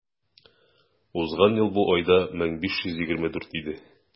Узган ел бу айда 1524 иде.